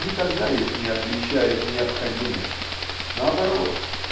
никогда их не отличает необходимость. Наоборот